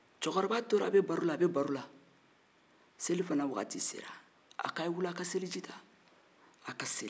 cɛkɔrɔba tora a bɛ baro la a bɛ baro la selifana waati sera a k'a wuli a ka seliji ta a ka seli